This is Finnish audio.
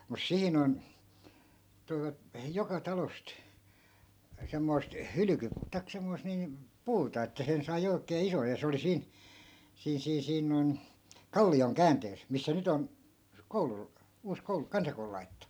mutta siinä on toivat joka talosta semmoista - tai semmoista niin puuta että sen sai oikein ison ja se oli siinä siinä siinä siinä noin kallion käänteessä missä nyt on koulu uusi koulu kansakoulu laitettu